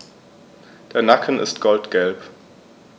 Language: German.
Der Nacken ist goldgelb.